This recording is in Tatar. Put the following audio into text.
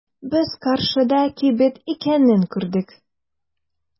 Без каршыда кибет икәнен күрдек.